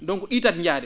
donc ?i tati njaadi